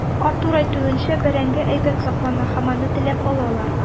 Артур әйтүенчә, бәрәңге әйбәт саклана, аны теләп алалар.